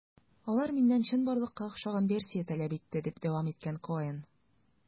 Алар миннән чынбарлыкка охшаган версия таләп итте, - дип дәвам иткән Коэн.